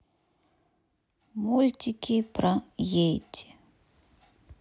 мультики про йети